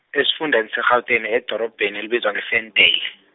esifundeni se- Gauteng edorobheni elibizwa nge- Ferndale.